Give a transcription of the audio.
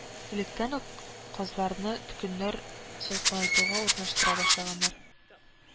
Электән үк казларны көннәр салкынайтуга урнаштыра башлаганнар